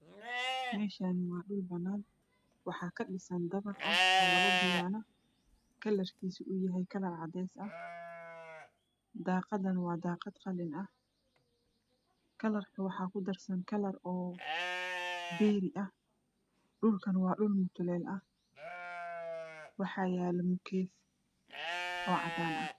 Meshani waa dhul banaan waxaa ka dhisan guri dabaq ah oo laba biyano ah kalarkiisu uu yahay kalar cadees ah daqadana waa daqad qalin ah kalarka waxaa ku darsan kalar beeri ah dhulkana waa dhul mutuleel ah waxaa yala mukeef oo cadan ah